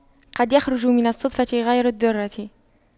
قد يخرج من الصدفة غير الدُّرَّة